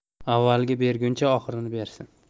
avvalini berguncha oxirini bersin